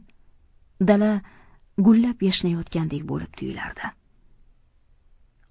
dala gullab yashnayotgandek bo'lib tuyulardi